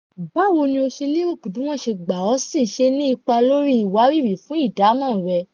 Báwo ni o ṣe lérò pé bí wọ́n ṣe gbà ọ́ sìn ṣe ní ipa lórí ìwárìrì fún ìdámọ̀ rẹ?